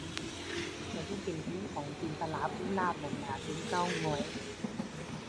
ก็สิเป็นเพลงของจินตหรา พูนลาภ นั่นล่ะ เพลงเต่างอย